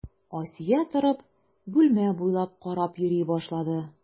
Асия торып, бүлмә буйлап карап йөри башлады.